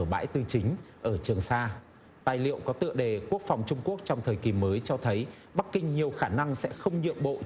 bãi tư chính ở trường sa tài liệu có tựa đề quốc phòng trung quốc trong thời kỳ mới cho thấy bắc kinh nhiều khả năng sẽ không nhượng bộ trong